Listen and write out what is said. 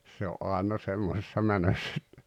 se on aina semmoisessa menossa että